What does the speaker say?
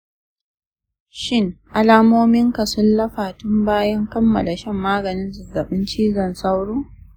shin alamominka sun lafa tun bayan kammala shan maganin zazzaɓin cizon sauro